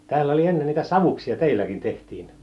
täällä oli ennen niitä savuksia teilläkin tehtiin